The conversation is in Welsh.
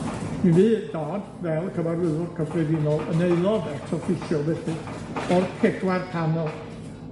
Mi fydd Dodd, fel cyfarwyddwr cyffredinol, yn aelod felly o'r pedwar panel.